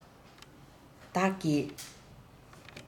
བདག གིས